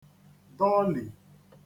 dọlì